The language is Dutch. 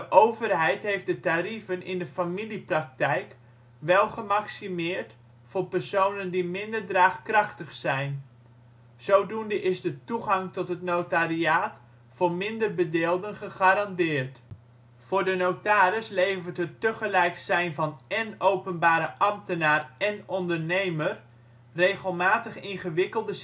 overheid heeft de tarieven in de familiepraktijk wel gemaximeerd voor personen die minder draagkrachtig zijn. Zodoende is de toegang tot het notariaat voor " minder bedeelden " gegarandeerd. Voor de notaris levert het tegelijk zijn van én openbare ambtenaar én ondernemer regelmatig ingewikkelde